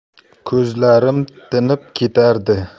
ko'zlarim tinib ketardi